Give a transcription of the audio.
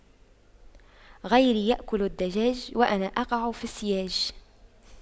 غيري يأكل الدجاج وأنا أقع في السياج